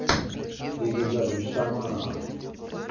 двигай задом shaman